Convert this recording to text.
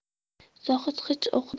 zohid hij o'qidi